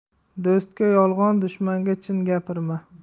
do'stga yolg'on dushmanga chin gapirma